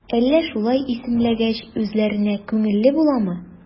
Әллә шулай исемләгәч, үзләренә күңелле буламы?